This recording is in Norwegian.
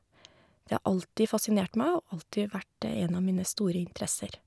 Det har alltid fascinert meg og alltid vært en av mine store interesser.